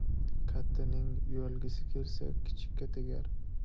kattaning uyalgisi kelsa kichikka tegar